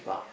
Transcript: waaw